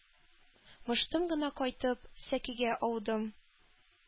Мыштым гына кайтып, сәкегә аудым.